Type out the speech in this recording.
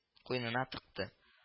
Куенына тыкты